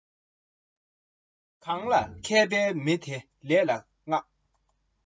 ལུ གུ སྤྱང ཀིས འཁྱེར བ དགོས བདེན རེད